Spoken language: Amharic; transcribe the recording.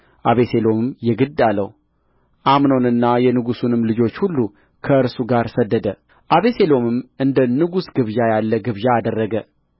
አቤሴሎምም የግድ አለው አምኖንንና የንጉሡንም ልጆች ሁሉ ከእርሱ ጋር ሰደደ አቤሴሎምም እንደ ንጉሥ ግብዣ ያለ ግብዣ አደረገ